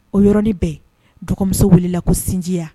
O yɔrɔnin bɛ dɔgɔmuso wulila la ko sinjiya